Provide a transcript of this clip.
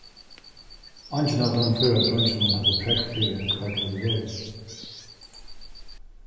eingin av teimum fýra dreingjunum høvdu prógv fyri hvar teir høvdu verið